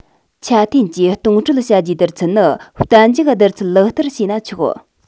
ཆ འཐེན གྱིས གཏོང སྤྲོད བྱ རྒྱུའི བསྡུར ཚད ནི གཏན འཇགས བསྡུར ཚད ལག བསྟར བྱས ན ཆོག